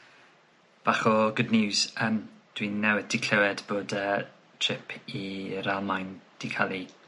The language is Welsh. bach o good news yym dwi'n newydd 'di clywed bod y trip i i'r Almaen 'di ca'l ei